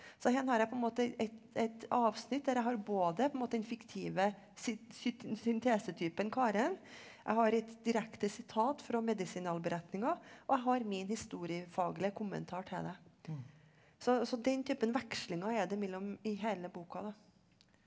så her har jeg på en måte et et avsnitt der jeg har både på en måte den fiktive syntesetypen Karen, jeg har et direkte sitat fra medisinalberetninga, og jeg har min historiefaglige kommentar til det, så så den typen vekslinger er det mellom i hele boka da.